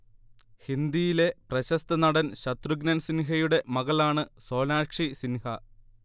ഹിന്ദിയിലെ പ്രശസ്ത നടൻ ശത്രുഘ്നൻ സിൻഹയുടെ മകളാണ് സൊനാക്ഷി സിൻഹ